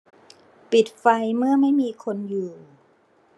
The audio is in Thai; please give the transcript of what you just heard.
ปิดไฟเมื่อไม่มีคนอยู่